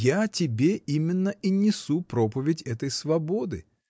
Я тебе именно и несу проповедь этой свободы!